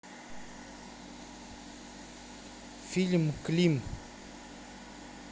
фильм клим